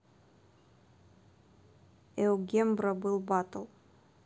eugenbro был battle